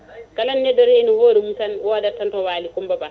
kala nde neɗɗo reeni hoore muɗum tan wodat tan to waali Coumba Ba